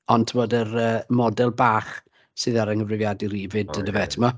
Ond timod, yr yy model bach sydd ar 'y nghyfrifiadur i 'fyd yndyfe timod.